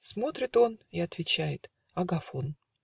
Смотрит он И отвечает: Агафон.